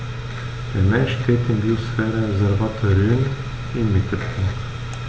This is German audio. Der Mensch steht im Biosphärenreservat Rhön im Mittelpunkt.